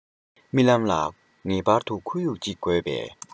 རྨི ལམ ལ ཁོར ཡུག ཅིག ངེས པར དུ དགོས པས